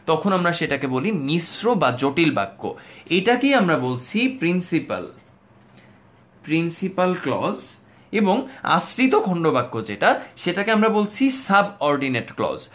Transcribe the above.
তখন আমরা সেটাকে বলি মিশ্র বা জটিল বাক্য এইটা কে আমরা বলছি প্রিন্সিপাল প্রিন্সিপাল ক্লজ এবং আশ্রিত খন্ডবাক্য যেটা সেটাকে আমরা বলছি সাব-অরডিনেট ক্লস